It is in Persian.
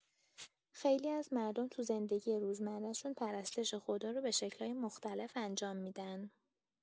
خیلی از مردم تو زندگی روزمره‌شون، پرستش خدا رو به شکل‌های مختلف انجام می‌دن.